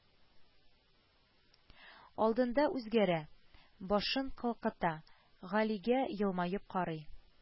Алдында үзгәрә: башын калкыта, галигә елмаеп карый